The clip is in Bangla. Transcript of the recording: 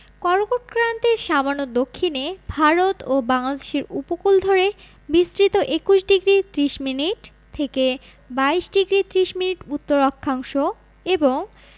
কর্কটক্রান্তির সামান্য দক্ষিণে ভারত ও বাংলাদেশের উপকূল ধরে বিস্তৃত ২১ডিগ্রি ৩০মিনিট থেকে ২২ডিগ্রি ৩০মিনিট উত্তর অক্ষাংশ এবং